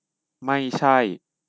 ไม่ใช่